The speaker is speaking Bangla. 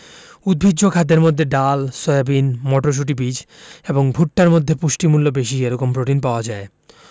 উদ্ভিজ্জ খাদ্যের মধ্যে ডাল সয়াবিন মটরশুটি বীজ এবং ভুট্টার মধ্যে পুষ্টিমূল্য বেশি এরকম প্রোটিন পাওয়া যায়